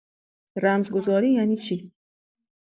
رمزگذاری یعنی چی؟